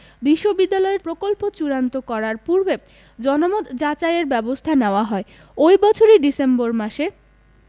বিশ্ববিদ্যালয়ের প্রকল্প চূড়ান্ত করার পূর্বে জনমত যাচাইয়ের ব্যবস্থা নেওয়া হয় ঐ বৎসরই ডিসেম্বর মাসে